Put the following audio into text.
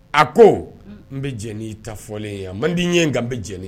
A ko n bɛ jeni i ta fɔlen ye man n'i ye n nka n bɛ jɛnɛeni